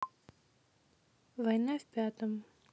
война в пятом